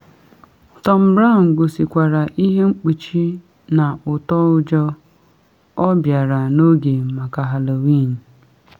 Imirikiti mkpuchi ihu ndị ahụ mara mma nwere egbugbere ọnụ akwachiri akwachi wee yie Hannibal Lecter karịa haute couture.